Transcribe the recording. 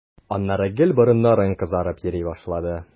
Аннары гел борыннарың кызарып йөри башлады.